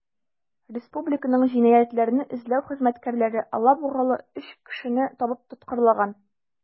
Республиканың җинаятьләрне эзләү хезмәткәрләре алабугалы 3 кешене табып тоткарлаган.